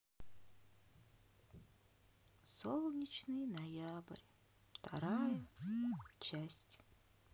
солнечный ноябрь вторая часть